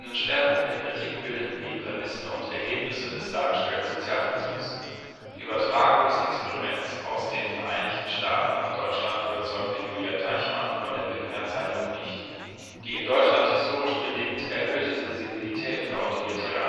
Schwerpunkt der Kritik bildeten die Prämissen und Ergebnisse des dargestellten Sozialversuchs. Die Übertragung des Experiments aus den Vereinigten Staaten nach Deutschland überzeugte Julia Teichmann von der Berliner Zeitung nicht. Die in Deutschland historisch bedingt erhöhte Sensibilität für autoritäre